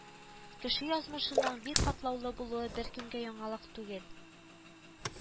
Кеше язмышының бик катлаулы булуы беркемгә яңалык түгел